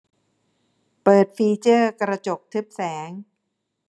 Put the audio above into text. เปิดฟีเจอร์กระจกทึบแสง